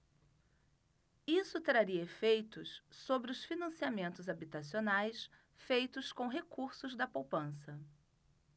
isso traria efeitos sobre os financiamentos habitacionais feitos com recursos da poupança